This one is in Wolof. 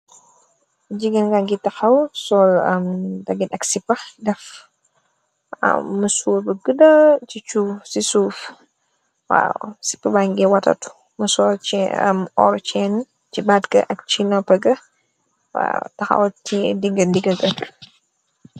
Jigeen nagi tahaw sol am dagit ak sipa am musurr bu guda si soof waw sipa bageh watatu mu sol chain am orr chain si bat ga ak si nopa ga tiyeh ndega gabi.